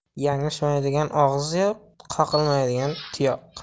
yanglishmaydigan og'iz yo'q qoqilmaydigan tuyoq